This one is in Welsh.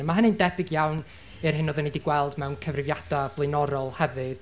A ma' hynny'n debyg iawn i'r hyn oedden ni 'di gweld mewn cyfrifiadau blaenorol hefyd.